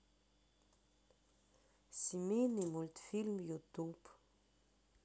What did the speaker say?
семейный мультфильм ютуб